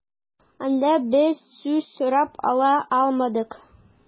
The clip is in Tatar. Анда без сүз сорап ала алмадык.